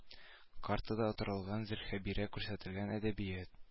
Картада оттырылган зөлхәбирә күрсәтелгән әдәбият